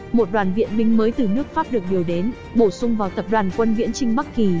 một đoàn viện binh mới từ nước pháp được điều đến bổ sung vào tập đoàn quân viễn chinh bắc kỳ